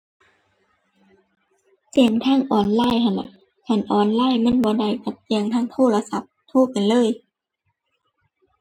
แจ้งทางออนไลน์หั้นล่ะ หั้นออนไลน์มันบ่ได้ก็แจ้งทางโทรศัพท์ โทรไปเลย